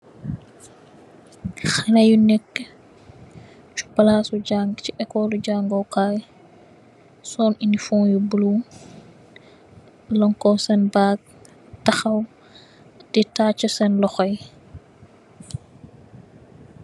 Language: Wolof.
Xalé yu nekk si palaas u jangee kaay, sol inifom, yu bulo, lonkoo seen baac, taxaw di taachu seen loxo yi.